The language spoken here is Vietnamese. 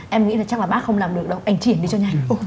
em nghĩ là chắc là bác không làm được đâu anh triển đi cho nhanh